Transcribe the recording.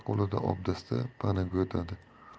qo'lida obdasta panaga o'tadi